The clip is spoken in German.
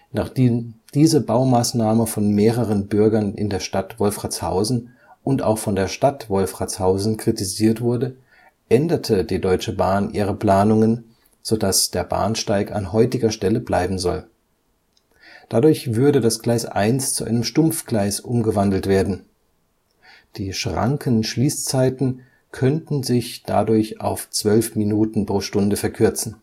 Nachdem diese Baumaßnahme von mehreren Bürger in der Stadt Wolfratshausen und auch von der Stadt Wolfratshausen kritisiert wurde, änderte die Deutsche Bahn ihre Planungen, sodass der Bahnsteig an heutiger Stelle bleiben soll. Dadurch würde das Gleis 1 zu einem Stumpfgleis umgewandelt werden. Die Schrankenschließzeiten können sich dadurch auf zwölf Minuten pro Stunde verkürzen